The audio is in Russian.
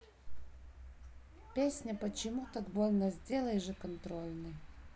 песня почему так больно сделай же контрольный